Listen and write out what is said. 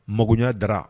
Mya dara